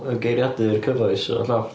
y geiriaidur cyfoes yn y lloft.